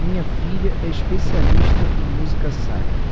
minha filha é especialista em música sacra